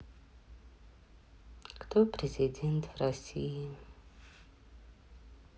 кто президент в россии